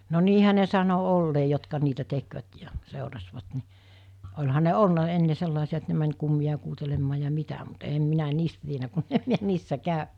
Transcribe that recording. no niinhän ne sanoi olleen jotka niitä tekivät ja seurasivat niin olihan ne ollut ennen sellaisia että ne meni kummia kuuntelemaan ja mitä mutta en minä niistä tiennyt kun en minä niissä käynyt